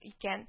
Икән? б